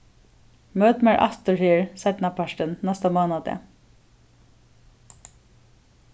møt mær aftur her seinnapartin næsta mánadag